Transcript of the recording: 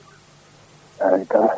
eyyi kay